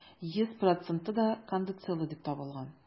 Йөз проценты да кондицияле дип табылган.